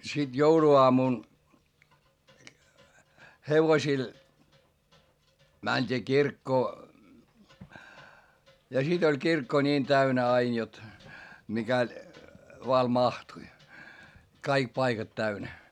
sitten jouluaamuna hevosilla mentiin kirkkoon ja sitten oli kirkko niin täynnä aina jotta mikäli vain mahtui kaikki paikat täynnä